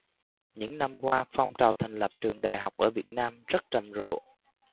những năm qua phong trào thành lập trường đại học ở việt nam rất rầm rộ